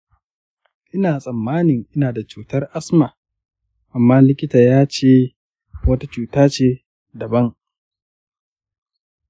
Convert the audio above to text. ina tsammanin ina da cutar asma, amma likita ya ce wata cuta ce daban.